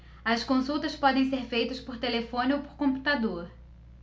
as consultas podem ser feitas por telefone ou por computador